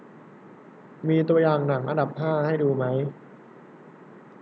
มีตัวอย่างหนังอันดับห้าให้ดูไหม